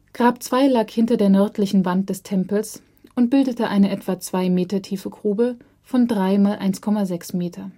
Grab 2 lag hinter der nördlichen Wand des Tempels und bildete eine etwa 2 m tiefe Grube von 3 x 1,6 m